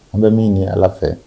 An bɛ min ni ala fɛ